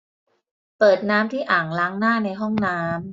เปิดน้ำที่อ่างล้างหน้าในห้องน้ำ